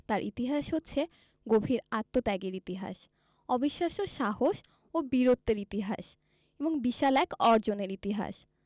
তার ইতিহাস হচ্ছে গভীর আত্মত্যাগের ইতিহাস অবিশ্বাস্য সাহস ও বীরত্বের ইতিহাস এবং বিশাল এক অর্জনের ইতিহাস